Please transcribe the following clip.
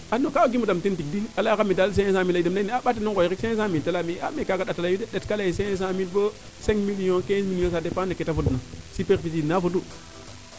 a bka waagi mo dam teen tig de a ley a axa mee cinq cent mille i leyu de me a mbaate no ngooy rek cinq cent mille te leyaame i kaaga ndata leyu de a ndat kaa leye cinq cent mille boo cinq million "quinze ca depends no neete fod na superficie a na fodu